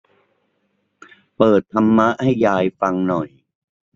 เปิดธรรมะให้ยายฟังหน่อย